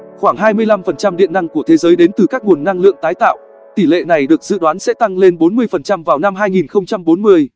khoảng phần trăm điện năng của thế giới đến từ các nguồn năng lượng tái tạo tỷ lệ này được dự đoán sẽ tăng lên phần trăm vào năm